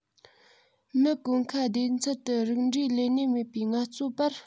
མི བཀོལ མཁན སྡེ ཚན དུ རིགས འདྲའི ལས གནས མེད པའི ངལ རྩོལ པར